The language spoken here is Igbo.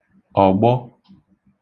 ọ̀gbọ